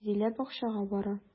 Зилә бакчага бара.